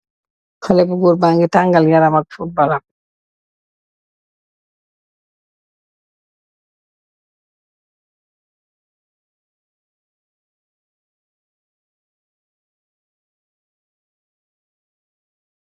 Xale bu goor bangi tangal yaramam ak fut balam